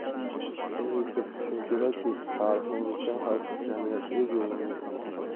shuni esda tutish kerakki tarixni unutgan xalq jamiyat o'z yo'lini yo'qotadi